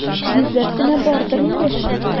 Йөзләп кенә бардыр инде.